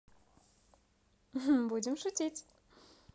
будем шутить